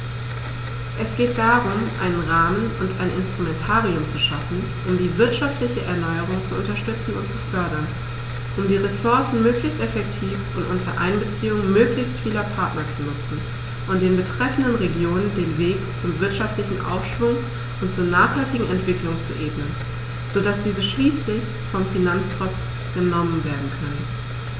Es geht darum, einen Rahmen und ein Instrumentarium zu schaffen, um die wirtschaftliche Erneuerung zu unterstützen und zu fördern, um die Ressourcen möglichst effektiv und unter Einbeziehung möglichst vieler Partner zu nutzen und den betreffenden Regionen den Weg zum wirtschaftlichen Aufschwung und zur nachhaltigen Entwicklung zu ebnen, so dass diese schließlich vom Finanztropf genommen werden können.